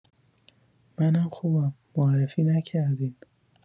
منم خوبم معرفی نکردین